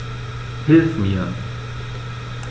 Hilf mir!